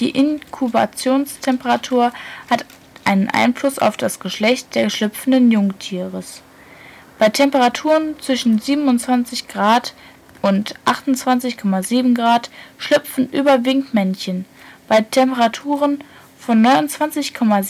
Inkubationstemperatur hat einen Einfluss auf das Geschlecht des schlüpfenden Jungtiers. Bei Temperaturen zwischen 27 und 28,7 Grad schlüpfen überwiegend Männchen. Bei Temperaturen von 29,7